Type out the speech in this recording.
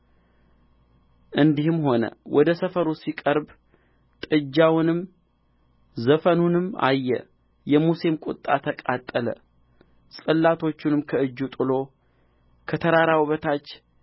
እንዲህም ሆነ ወደ ሰፈሩ ሲቀርብ ጥጃውንም ዘፈኑንም አየ የሙሴም ቍጣ ተቃጠለ ጽላቶቹንም ከእጁ ጥሎ ከተራራው በታች